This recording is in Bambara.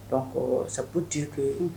Don sabu tɛ tun yen